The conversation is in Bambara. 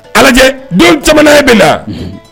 A lajɛ don caaman na e bɛ n'a, Unhun.